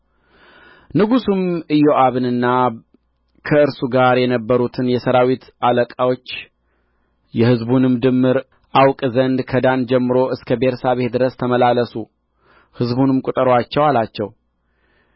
ንጉሡም ኢዮአብንና ከእርሱ ጋር የነበሩትን የሠራዊት አለቆች የሕዝቡን ድምር አውቅ ዘንድ ከዳን ጀምሮ እስከ ቤርሳቤህ ድረስ ተመላለሱ ሕዝቡንም ቍጠሩአቸው አላቸው